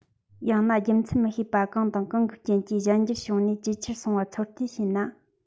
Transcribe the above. ཡང ན རྒྱུ མཚན མི ཤེས པ གང དང གང གི རྐྱེན གྱིས གཞན འགྱུར བྱུང ནས ཇེ ཆེར སོང བར ཚོད རྩིས བྱས ན